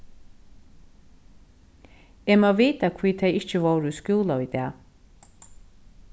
eg má vita hví tey ikki vóru í skúla í dag